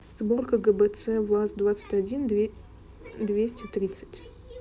сборка гбц ваз двадцать один двести тринадцать